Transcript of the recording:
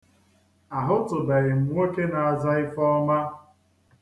A hụtụbeghị m nwoke na-aza Ifeọma.